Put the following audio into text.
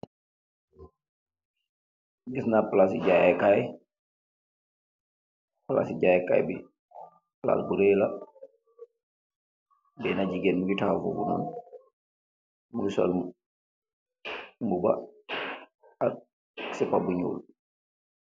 Giss na plase jaye kay, plass se jaye kay bi plass bu ray la bena jegain muge tahaw fofu mugi sol muba ak sepa bu njol.